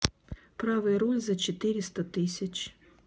правый руль за четыреста тысяч